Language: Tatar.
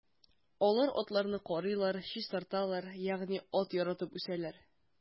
Алар атларны карыйлар, чистарталар, ягъни ат яратып үсәләр.